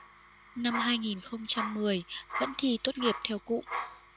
năm hai nghìn không trăm mười vẫn thi tốt nghiệp theo cụm